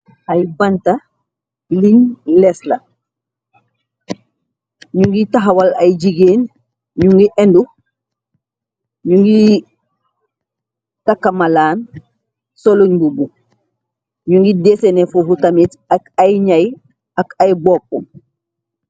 Ay banta liñ leesla ñu ngiy taxawal ay jigéen ñu ngi enu ñu ngiy tàkkamalaan soluñ mboba ñu ngi deesene fufu tamit ak ay ñay ak ay boppum.